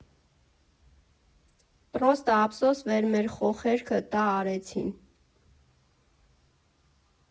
Պռոստը ափսոս վեր մեր խոխերքը տա արեցին։